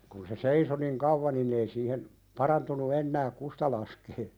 kun se seisoi niin kauan niin ei siihen parantunut enää kusta laskea